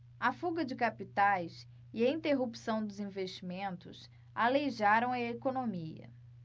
a fuga de capitais e a interrupção dos investimentos aleijariam a economia